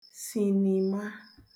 sìnìma